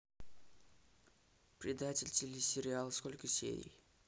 предатель телесериал сколько серий